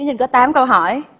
trình có tám câu hỏi